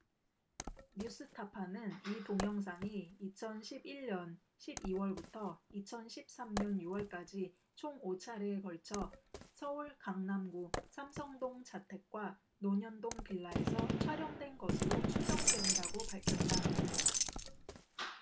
뉴스타파는 이 동영상이 이천 십 일 년 십 이 월부터 이천 십 삼 년 유 월까지 총 오 차례에 걸쳐 서울 강남구 삼성동 자택과 논현동 빌라에서 촬영된 것으로 추정된다고 밝혔다